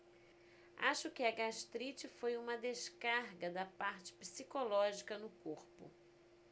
acho que a gastrite foi uma descarga da parte psicológica no corpo